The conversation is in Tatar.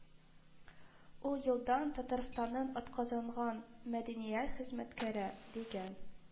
Ул елдан «Татарстанның атказанган мәдәният хезмәткәре» дигән